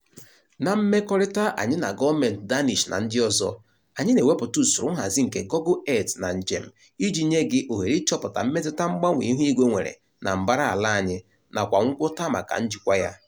Na mmekọrịta anyị na gọọmentị Danish na ndị ọzọ, anyị na-ewepụta usoro nhazi nke Google Earth na njem iji nye gị ohere ịchọpụta mmetụta mgbanwe ihuigwe nwere na mbara ala anyị nakwa ngwọta maka njikwa ya.